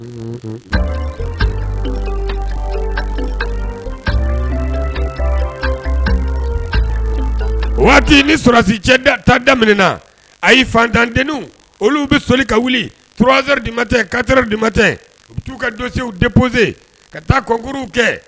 Waati ni susi cɛ ta daminɛmin na a y ye fantant olu bɛ soli ka wuli tz di ma tɛ ka teri di ma tɛ u' uu ka donsew depzse ka taa kɔnkuruw kɛ